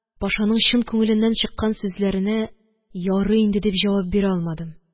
Пашаның чын күңеленнән чыккан сүзләренә ярый инде дип җавап бирә алмадым